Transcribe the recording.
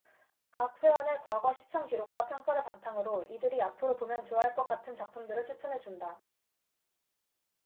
각 회원의 과거 시청 기록과 평가를 바탕으로 이들이 앞으로 보면 좋아할 것 같은 작품들을 추천해 준다